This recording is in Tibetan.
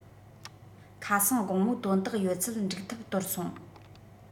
ཁ སང དགོང མོ དོན དག ཡོད ཚད འགྲིག ཐབས དོར སོང